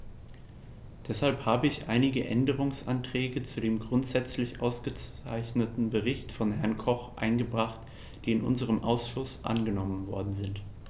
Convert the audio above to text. Deshalb habe ich einige Änderungsanträge zu dem grundsätzlich ausgezeichneten Bericht von Herrn Koch eingebracht, die in unserem Ausschuss angenommen worden sind.